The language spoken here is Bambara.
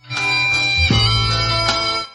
San